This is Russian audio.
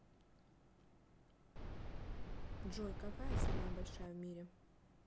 джой какая самая большая в мире